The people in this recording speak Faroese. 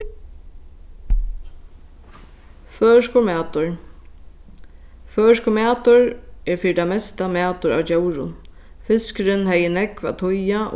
føroyskur matur føroyskur matur er fyri tað mesta matur av djórum fiskurin hevði nógv at týða